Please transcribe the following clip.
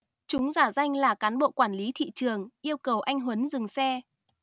chúng giả danh là cán bộ quản lý thị trường yêu cầu anh huấn dừng xe